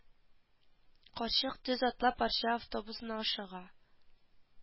Карчык төз атлап арча автобусына ашыга